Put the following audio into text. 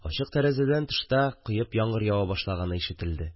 Ачык тәрәзәдән тышта коеп яңгыр ява башлаганы ишетелде